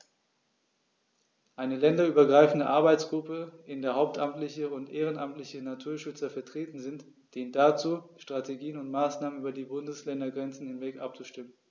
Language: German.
Eine länderübergreifende Arbeitsgruppe, in der hauptamtliche und ehrenamtliche Naturschützer vertreten sind, dient dazu, Strategien und Maßnahmen über die Bundesländergrenzen hinweg abzustimmen.